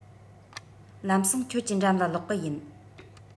ལམ སེང ཁྱེད ཀྱི འགྲམ ལ ལོག གི ཡིན